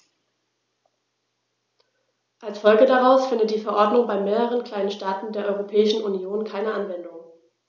Als Folge daraus findet die Verordnung bei mehreren kleinen Staaten der Europäischen Union keine Anwendung.